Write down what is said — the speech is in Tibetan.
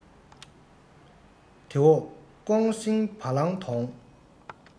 དེ འོག ཀོང སྲིང བ ལང དོང